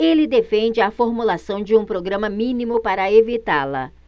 ele defende a formulação de um programa mínimo para evitá-la